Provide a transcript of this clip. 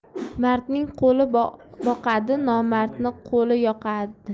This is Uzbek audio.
mardning qo'li boqadi nomard qo'li yoqada